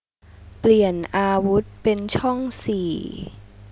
เปลี่ยนอาวุธเป็นช่องสี่